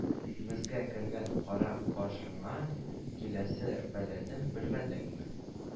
Мезгә кергән карак, башыңа киләсе бәлане белмәдеңме